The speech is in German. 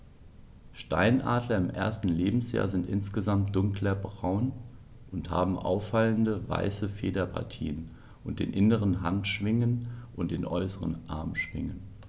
Steinadler im ersten Lebensjahr sind insgesamt dunkler braun und haben auffallende, weiße Federpartien auf den inneren Handschwingen und den äußeren Armschwingen.